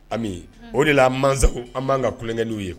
O de la masasa an b'an ka kukɛliw ye